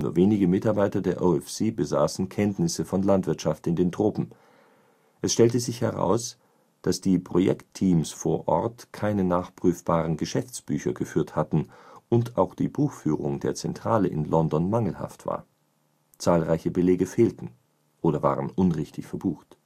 wenige Mitarbeiter der OFC besaßen Kenntnisse von Landwirtschaft in den Tropen. Es stellte sich heraus, dass die Projektteams vor Ort keine nachprüfbaren Geschäftsbücher geführt hatten und auch die Buchführung der Zentrale in London mangelhaft war. Zahlreiche Belege fehlten oder waren unrichtig verbucht